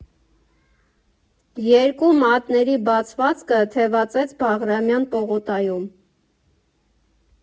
Երկու մատների բացվածքը թևածեց Բաղրամյան պողոտայում։